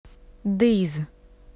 дэй з